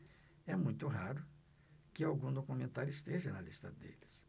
é muito raro que algum documentário esteja na lista deles